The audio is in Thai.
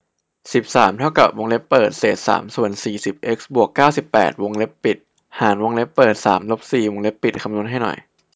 สิบสามเท่ากับวงเล็บเปิดเศษสามส่วนสี่สิบเอ็กซ์บวกเก้าสิบแปดวงเล็บปิดหารวงเล็บเปิดสามลบสี่วงเล็บปิดคำนวณให้หน่อย